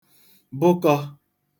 bụkọ̄